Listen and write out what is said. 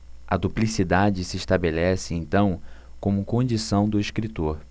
a duplicidade se estabelece então como condição do escritor